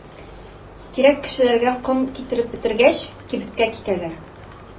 Кирәк кешеләргә ком китереп бетергәч, кибеткә китәләр.